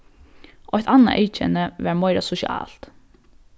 eitt annað eyðkenni var meira sosialt